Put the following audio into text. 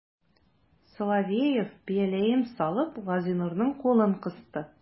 Соловеев, бияләен салып, Газинурның кулын кысты.